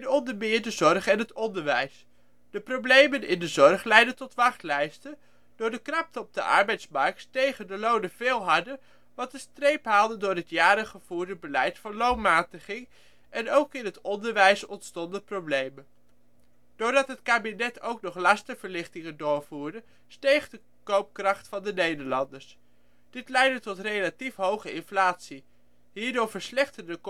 ondermeer de zorg en het onderwijs. De problemen in de zorg leidden tot wachtlijsten. Door de krapte op de arbeidsmarkt stegen de lonen veel harder, wat een streep haalde door het jaren gevoerde beleid van loonmatiging en ook in het onderwijs ontstonden problemen. Doordat het kabinet ook nog lastenverlichtingen doorvoerde, steeg de koopkracht van de Nederlanders. Dit leidde tot relatief hoge inflatie. Hierdoor verslechterde